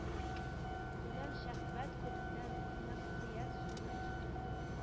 Белән шәһвәт күлендә мәгъсыять суы кипте